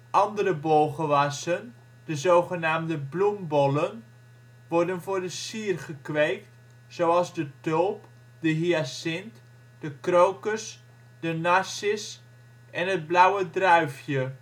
Andere bolgewassen, de zogenaamde bloembollen, worden voor de sier gekweekt, zoals de tulp, de hyacint, de krokus, de narcis en het blauwe druifje